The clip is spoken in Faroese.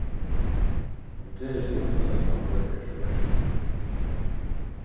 hon gleðist um at løgmaður er so bjartskygdur